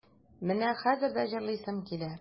Менә хәзер дә җырлыйсым килә.